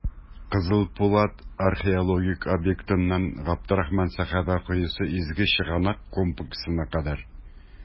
«кызыл пулат» археологик объектыннан "габдрахман сәхабә коесы" изге чыганак комплексына кадәр.